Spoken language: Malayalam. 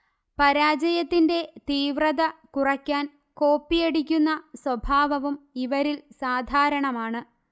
പരാജയത്തിന്റെ തീവ്രത കുറയ്ക്കാൻ കോപ്പിയടിക്കുന്ന സ്വഭാവവും ഇവരിൽ സാധാരണമാണ്